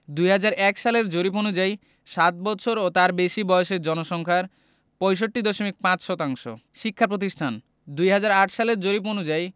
২০০১ সালের জরিপ অনুযায়ী সাত বৎসর ও তার বেশি বয়সের জনসংখ্যার ৬৫.৫ শতাংশ শিক্ষাপ্রতিষ্ঠানঃ ২০০৮ সালের জরিপ অনুযায়ী